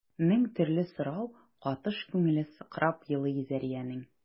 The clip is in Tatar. Мең төрле сорау катыш күңеле сыкрап елый Зәриянең.